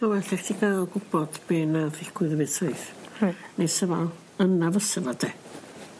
Ma' well i ti ga'l gwbod be' nath ddigwydd efyd syth. Reit. Ne sa fel yna fysa fo 'de?